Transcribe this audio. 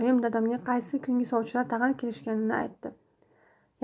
oyim dadamga qaysi kungi sovchilar tag'in kelishganini aytdi